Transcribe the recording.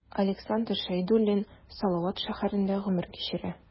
Александр Шәйдуллин Салават шәһәрендә гомер кичерә.